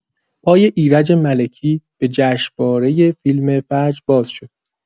پای ایرج ملکی به جشنواره فیلم فجر باز شد!